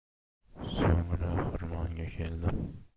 so'ngra xirmonga keldim